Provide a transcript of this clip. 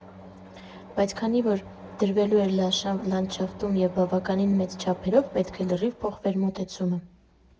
Բայց քանի որ դրվելու էր լանդշաֆտում ու բավական մեծ չափերով, պետք է լրիվ փոխվեր մոտեցումը։